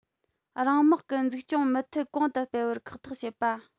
རང དམག གི འཛུགས སྐྱོང མུ མཐུད གོང དུ སྤེལ བར ཁག ཐེག བྱེད པ